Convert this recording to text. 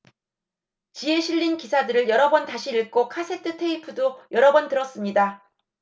지에 실린 기사들을 여러 번 다시 읽고 카세트테이프도 여러 번 들었습니다